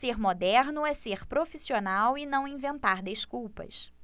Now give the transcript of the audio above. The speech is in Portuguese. ser moderno é ser profissional e não inventar desculpas